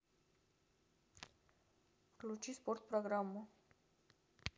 включить спорт программу